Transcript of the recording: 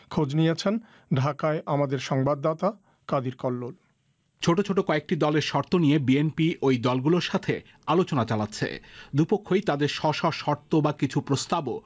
খোঁজ নিয়েছেন ঢাকায় আমাদের সংবাদদাতা কাদির কল্লোল ছোট ছোট কয়েকটি দলের শর্ত নিয়ে বিএনপি ওই দলগুলোর সাথে আলোচনা চালাচ্ছে দুপক্ষই তাদের স্ব-স্ব শর্ত বা কিছু প্রস্তাবও